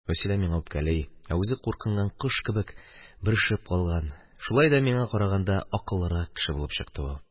Вәсилә миңа үпкәли, ә үзе куркынган кош кебек бөрешеп калган – шулай да миңа караганда акыллырак кеше булып чыкты ул.